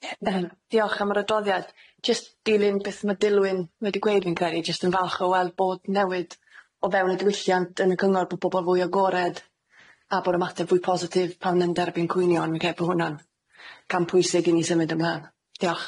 Diolch am yr adroddiad, jyst dilyn beth ma' Dilwyn wedi gweud fi'n credu jyst yn falch o weld bod newid o fewn y diwylliant yn y cyngor, bo' bobol fwy agored a bod ymateb fwy positif pan yn derbyn cwynion yn lle bo' hwnna'n cam pwysig i ni symud ymlân. Diolch.